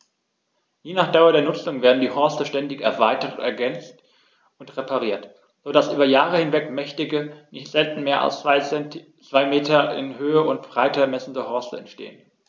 Je nach Dauer der Nutzung werden die Horste ständig erweitert, ergänzt und repariert, so dass über Jahre hinweg mächtige, nicht selten mehr als zwei Meter in Höhe und Breite messende Horste entstehen.